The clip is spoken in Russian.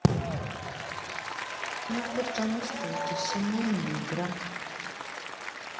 ну потому что это семейная игра